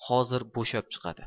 hozir bo'shab chiqadi